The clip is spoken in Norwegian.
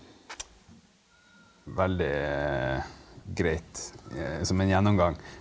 veldig greit som en gjennomgang.